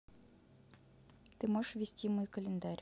ты можешь вести мой календарь